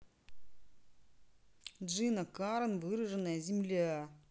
джина карен выженная земля